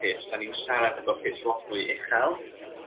pitch 'dan ni'n siarad hefo pitch lot fwy uchel